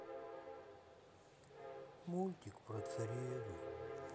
мультик про царевны